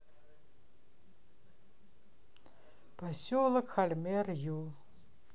поселок хальмер ю